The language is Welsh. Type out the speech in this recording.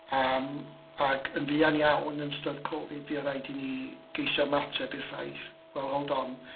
Yym ac yn fuan iawn yn ystod Covid fuodd rhaid i ni geisio ymateb i'r ffaith "well hold on...